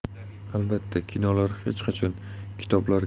albatta kinolar hech qachon kitoblar kabi